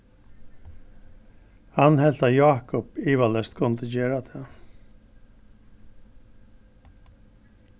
hann helt at jákup ivaleyst kundi gera tað